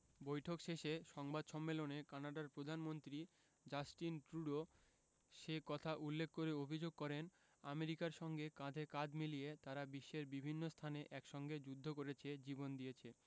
বৈঠক শেষে সংবাদ সম্মেলনে কানাডার প্রধানমন্ত্রী জাস্টিন ট্রুডো সে কথা উল্লেখ করে অভিযোগ করেন আমেরিকার সঙ্গে কাঁধে কাঁধ মিলিয়ে তারা বিশ্বের বিভিন্ন স্থানে একসঙ্গে যুদ্ধ করেছে জীবন দিয়েছে